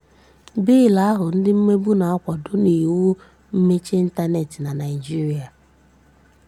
Bịịlụ ahụ dị mmegbu ga-akwado n'iwu mmechi ịntaneetị na Naịjirịa